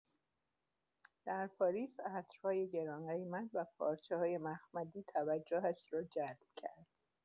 در پاریس، عطرهای گران‌قیمت و پارچه‌های مخملی توجهش را جلب کرد.